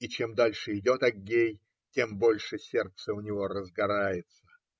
И чем дальше идет Аггей, тем больше сердце у него разгорается.